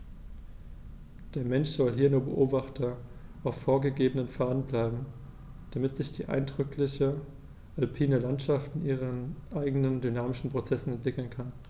Der Mensch soll hier nur Beobachter auf vorgegebenen Pfaden bleiben, damit sich die eindrückliche alpine Landschaft in ihren eigenen dynamischen Prozessen entwickeln kann.